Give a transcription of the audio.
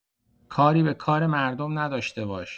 کاری به کار مردم نداشته باش.